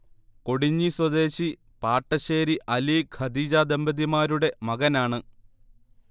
കൊടിഞ്ഞി സ്വദേശി പാട്ടശ്ശേരി അലി -ഖദീജ ദമ്പതിമാരുടെ മകനാണ്